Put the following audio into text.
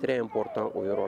Sira in btan o yɔrɔ